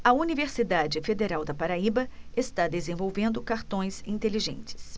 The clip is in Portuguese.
a universidade federal da paraíba está desenvolvendo cartões inteligentes